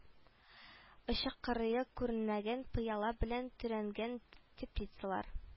Очы-кырые күренмәгән пыяла белән төренгән теплицалар